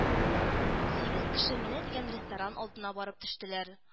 Сигез кеше менә дигән ресторан алдына барып төштеләр